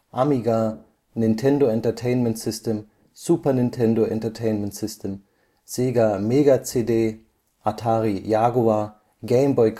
Amiga, Nintendo Entertainment System, Super Nintendo Entertainment System, Sega Mega-CD, Atari Jaguar, Gameboy